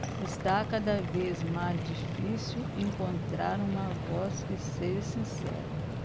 está cada vez mais difícil encontrar uma voz que seja sincera